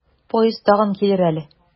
Поезд тагын килер әле.